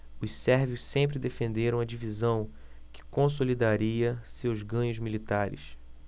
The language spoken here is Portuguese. os sérvios sempre defenderam a divisão que consolidaria seus ganhos militares